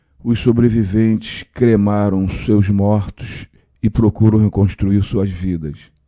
os sobreviventes cremaram seus mortos e procuram reconstruir suas vidas